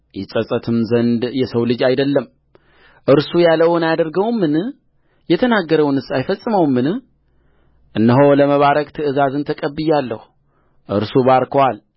ይጸጸትም ዘንድ የሰው ልጅ አይደለምእርሱ ያለውን አያደርገውምን የተናገረውንስ አይፈጽመውምን እነሆ ለመባረክ ትእዛዝን ተቀብያለሁእርሱ ባርኮአል